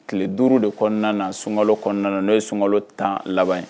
Tile duuru de kɔnɔna na sunka kɔnɔna n'o ye sunka tan laban ye